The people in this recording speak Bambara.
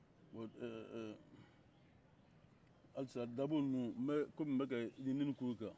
bon ɛɛ hali sisan dabo ninnu komi n bɛ ka ɲinini k'u kan